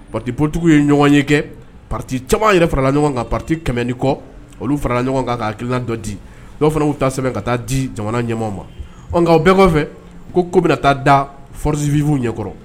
Patiptigiw ye ɲɔgɔn ye kɛ pati caman yɛrɛ farala ɲɔgɔn kan ka pati kɛmɛ ni kɔ olu fara ɲɔgɔn kan kakiina dɔ di fana ta sɛbɛn ka taa di jamana ɲɛ ma bɛɛ kɔfɛ ko ko bɛna taa dasivfinw ɲɛkɔrɔ